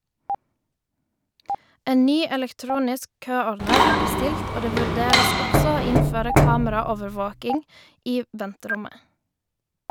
En ny elektronisk køordner er bestilt, og det vurderes også å innføre kameraovervåking i venterommet.